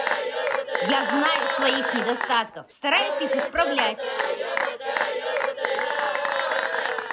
я знаю своих недостаток стараюсь их исправлять